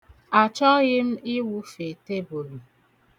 Achọghị m ịwụfe tebulu.